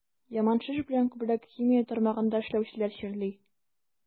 Яман шеш белән күбрәк химия тармагында эшләүчеләр чирли.